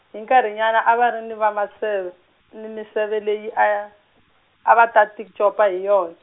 hi nkarhinyana a va ri ni vamaseve, ni miseve leyi a ya, a va ta ti copa hi yon-.